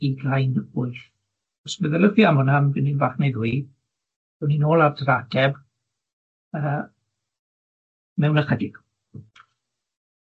Ugrain. Wyth. Os meddyliwch chi am wnna am funud fach neu ddwy, dewn ni nôl at yr ateb yy mewn ychydig.